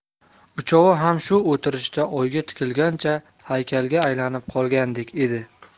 uchovi ham shu o'tirishda oyga tikilgancha haykalga aylanib qolgandek edi